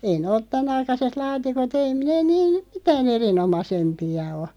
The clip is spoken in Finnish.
ei ne ole tämänaikaiset laatikot ei ne niin mitään erinomaisempia ole